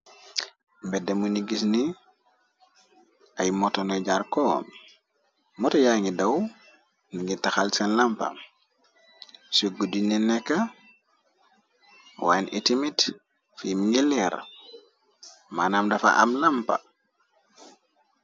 Beddemu ni gis ni ay motonoy jarkom moto yaa ngi daw ndangi taxal seen lampa suggu dune nekka wayen itimit fim ngi leer manam dafa am làmpa.